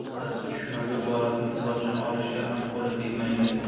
otasi tushmagur bolasining sochini olishga ham qo'li tegmaydi